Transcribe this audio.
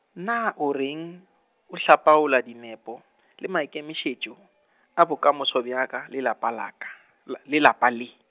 na o reng, o hlapaola dinepo, le maikemišetšo, a bokamoso bja ka le lapa laka, la le lapa le.